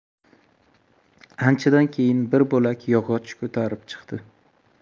anchadan keyin bir bo'lak yog'och ko'tarib chiqdi